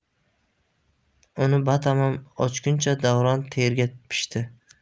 uni batamom ochguncha davron terga pishdi